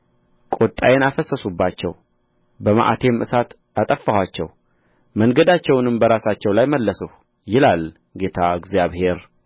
ቍጣዬን አፈሰስሁባቸው በመዓቴም እሳት አጠፋኋቸው መንገዳቸውንም በራሳቸው ላይ መለስሁ ይላል ጌታ እግዚአብሔር